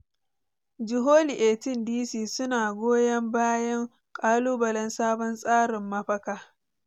Jihohi 18, D.C. su na goyon bayan kalubalen sabon tsarin mafaka